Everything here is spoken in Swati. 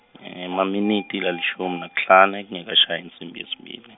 Emaminitsi lalishumi nakuhlanu, kungekashayi insimbi yesibili.